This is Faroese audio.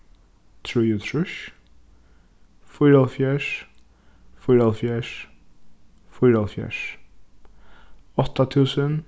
trýogtrýss fýraoghálvfjerðs fýraoghálvfjerðs fýraoghálvfjerðs átta túsund